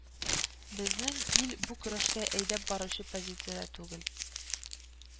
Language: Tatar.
Безнең ил бу көрәштә әйдәп баручы позициядә түгел